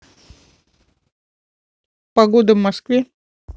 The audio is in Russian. погода в москве